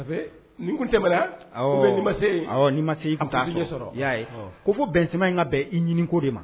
Tɛ ma sea ko fo bɛnsenma in ka bɛn i ɲini ko de ma